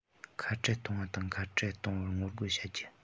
ཁ བྲལ གཏོང བ དང ཁ བྲལ གཏོང བར ངོ རྒོལ བྱ རྒྱུ